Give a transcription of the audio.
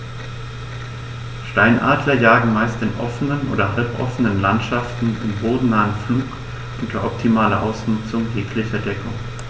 Steinadler jagen meist in offenen oder halboffenen Landschaften im bodennahen Flug unter optimaler Ausnutzung jeglicher Deckung.